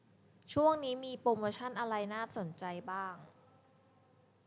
ช่วงนี้มีโปรโมชั่นอะไรน่าสนใจบ้าง